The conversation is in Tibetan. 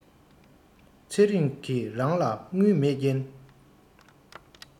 ཚེ རིང གི རང ལ དངུལ མེད རྐྱེན